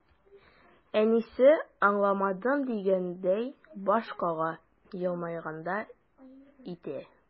Әнисе, аңладым дигәндәй баш кага, елмайгандай итә.